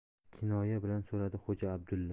kinoya bilan so'radi xo'ja abdulla